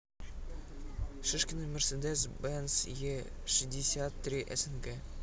шишкина мерседес бенс e шестьдесят три снг